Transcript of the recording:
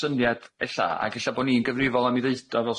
syniad ella ag ella bo' ni'n gyfrifol am 'i ddeud o fel